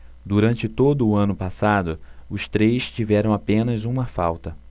durante todo o ano passado os três tiveram apenas uma falta